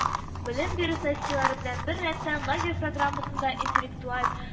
Белем бирү сесссияләре белән беррәттән, лагерь программасында интеллектуаль